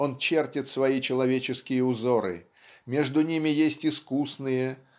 Он чертит свои человеческие узоры между ними есть искусные